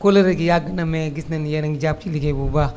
kóllare gi yàgg na mais gis nañu ne yéen a ngi jàpp ci liggéey bi bu baax